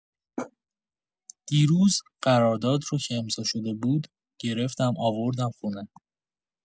دیروز قرارداد رو که امضاء‌شده بود، گرفتم آوردم خونه.